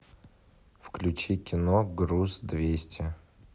включи кино груз двести